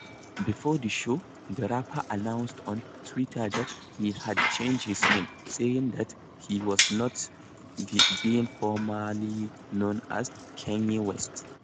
Before the show, the rapper announced on Twitter that he had changed his name, saying that he was now "the being formally known as Kanye West."